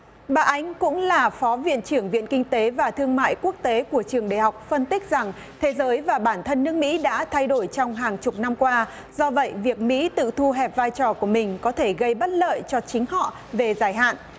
bà ánh cũng là phó viện trưởng viện kinh tế và thương mại quốc tế của trường đại học phân tích rằng thế giới và bản thân nước mỹ đã thay đổi trong hàng chục năm qua do vậy việc mỹ tự thu hẹp vai trò của mình có thể gây bất lợi cho chính họ về dài hạn